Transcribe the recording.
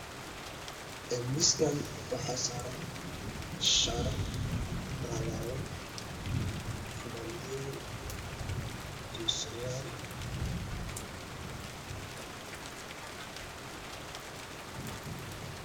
Miiskaan waxaa saaran shaarar laalaaban, fanaanado iyo surwaal.